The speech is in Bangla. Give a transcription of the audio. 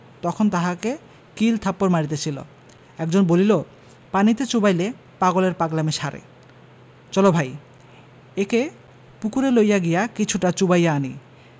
তখন তাহাকে কিল থাপ্পর মারিতেছিল একজন বলিল পানিতে চুবাইলে পাগলের পাগলামী সারে চল ভাই একে পুকুরে লইয়া গিয়া কিছুটা চুবাইয়া আনি